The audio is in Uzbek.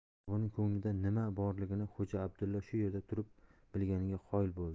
boburning ko'nglida nima borligini xo'ja abdulla shu yerda turib bilganiga qoyil bo'ldi